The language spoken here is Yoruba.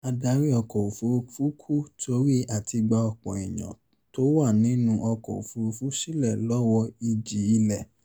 Adarí Ọkọ̀ Òfurúfú Kú Torí Àtigba Ọ̀pọ̀ Èèyàn T’ọ́n Wà Nínú Ọkọ̀-òfúrufú Sílẹ̀ Lọ́wọ́ Ìjì-ilẹ̀